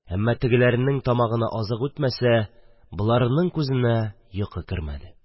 Әммә тегеләренең тамагына азык үтмәсә, боларының күзенә йокы керми иде.